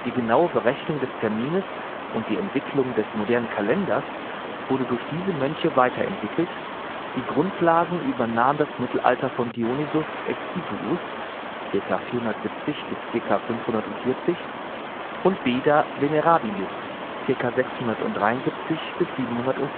genaue Berechnung des Termines und die Entwicklung des modernen Kalenders wurde durch diese Mönche weiterentwickelt, die Grundlagen übernahm das Mittelalter von Dionysius Exiguus (ca. 470 bis ca. 540) und Beda Venerabilis (ca. 673 – 735